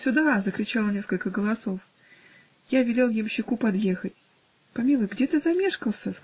сюда!" -- закричало несколько голосов. Я велел ямщику подъехать. "Помилуй, где ты замешкался?